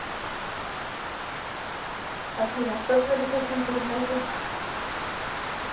афина что творится с интернетом